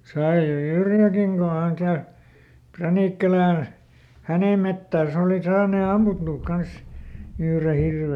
sai se Yrjäläkin kun hän käy Pränikkälän hänen metsässä oli saanut ammuttua kanssa yhden hirven